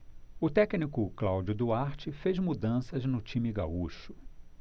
o técnico cláudio duarte fez mudanças no time gaúcho